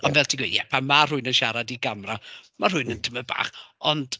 Ond fel ti'n gweud, pan ma rhywun yn siarad i gamera, ma' rhywun yn tamed bach, ond...